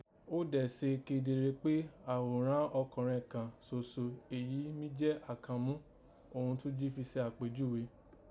Ó dẹ̀ se kedere kpé, àghòrán ọkọ̀nrẹn kàn soso èyí mí jẹ́ Àkànmú òghun Túnjí fi ṣàpèjúghe